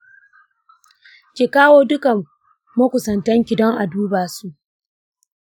ki kawo duka makusantanki don a dubasu.